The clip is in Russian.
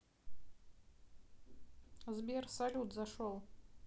сбер салют зашел